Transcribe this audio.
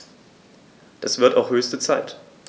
Das wird auch höchste Zeit!